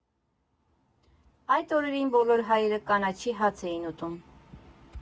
Այդ օրերին բոլոր հայերը կանաչի֊հաց էին ուտում։